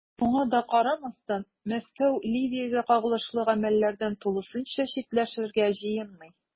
Шуңа да карамастан, Мәскәү Ливиягә кагылышлы гамәлләрдән тулысынча читләшергә җыенмый.